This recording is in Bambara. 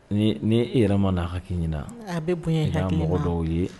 Ni ni e yɛrɛ ma n'a hakiliki ɲini a bɛ bonya h mɔgɔ dɔw ye